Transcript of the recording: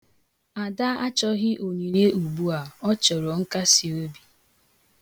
Ada achọghị onyinye ugbu a, ọ chọrọ nkasiobi.